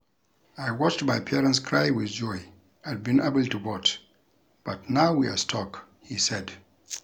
I watched my parents cry with joy at being able to vote but now we are stuck," he said.